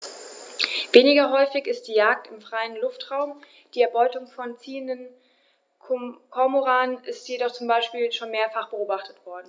Weniger häufig ist die Jagd im freien Luftraum; die Erbeutung von ziehenden Kormoranen ist jedoch zum Beispiel schon mehrfach beobachtet worden.